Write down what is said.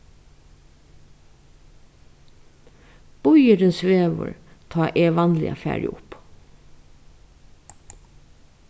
býurin svevur tá eg vanliga fari upp